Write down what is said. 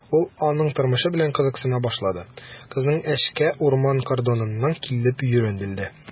Ул аның тормышы белән кызыксына башлады, кызның эшкә урман кордоныннан килеп йөрүен белде.